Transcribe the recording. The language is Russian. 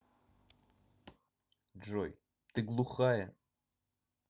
джой ты глухая